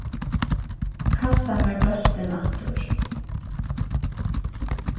kasta mær bóltin aftur